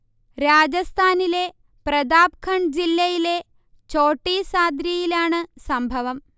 രാജസ്ഥാനിലെ പ്രതാപ്ഖഡ് ജില്ലയിലെ ഛോട്ടി സാദ്രിയിലാണ് സംഭവം